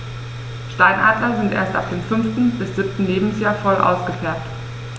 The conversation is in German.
Steinadler sind erst ab dem 5. bis 7. Lebensjahr voll ausgefärbt.